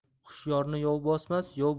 hushyorni yov bosmas yov